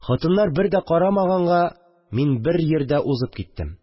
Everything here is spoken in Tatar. Хатыннар бер дә караганга, мин бер җирдә узып киттем